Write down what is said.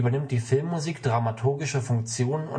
die Filmmusik dramaturgische Funktion